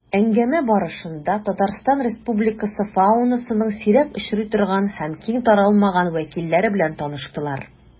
Әңгәмә барышында Татарстан Республикасы фаунасының сирәк очрый торган һәм киң таралмаган вәкилләре белән таныштылар.